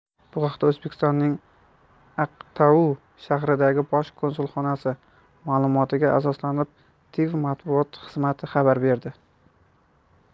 bu haqda o'zbekistonning aqtau shahridagi bosh konsulxonasi ma'lumotiga asoslanib tiv matbuot xizmati xabar berdi